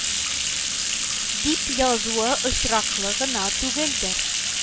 Дип язуы очраклы гына түгелдер